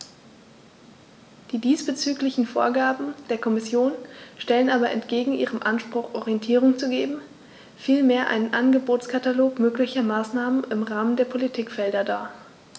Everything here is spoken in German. Die diesbezüglichen Vorgaben der Kommission stellen aber entgegen ihrem Anspruch, Orientierung zu geben, vielmehr einen Angebotskatalog möglicher Maßnahmen im Rahmen der Politikfelder dar.